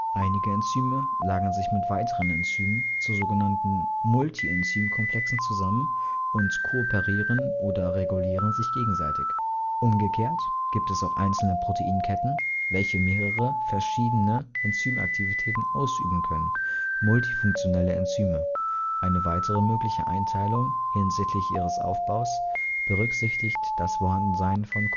Einige Enzyme lagern sich mit weiteren Enzymen zu sogenannten Multienzymkomplexen zusammen und kooperieren oder regulieren sich gegenseitig. Umgekehrt gibt es auch einzelne Proteinketten, welche mehrere, verschiedene Enzymaktivitäten ausüben können (multifunktionelle Enzyme). Eine weitere mögliche Einteilung hinsichtlich ihres Aufbaus berücksichtigt das Vorhandensein von